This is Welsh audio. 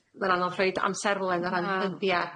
Ma'n anodd rhoid amserlen o ran... Na... dyddie.